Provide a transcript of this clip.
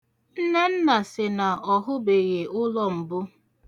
Nnenna sị na ọ hụbeghị ụlọ mbụ.